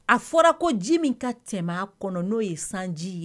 A fɔra ko ji min ka cɛman kɔnɔ n'o ye sanji ye